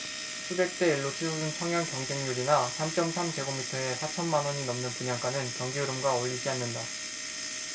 수백 대 일 로 치솟은 청약 경쟁률이나 삼 쩜 삼 제곱미터에 사천 만원이 넘은 분양가는 경기흐름과 어울리지 않는다